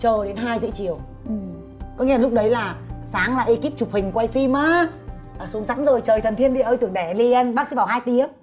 chờ đến hai rưỡi chiều có nghĩa là lúc đấy là sáng là e kíp chụp hình quay phim á xuống sẵn rồi trời thần thiên địa ơi tưởng đẻ liền bác sĩ bảo hai tiếng